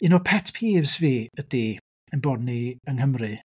Un o pet peeves fi ydy ein bod ni yng Nghymru...